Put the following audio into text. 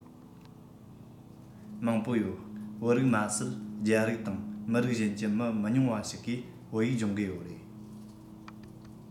མང པོ ཡོད བོད རིགས མ ཟད རྒྱ རིགས དང མི རིགས གཞན གྱི མི མི ཉུང བ ཞིག གིས བོད ཡིག སྦྱོང གི ཡོད རེད